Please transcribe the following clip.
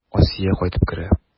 Асия кайтып керә.